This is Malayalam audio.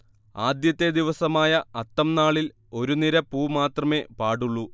ആദ്യത്തെ ദിവസമായ അത്തംനാളിൽ ഒരു നിര പൂ മാത്രമേ പാടുള്ളൂ